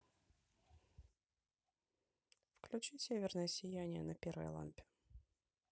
включи северное сияние на первой лампе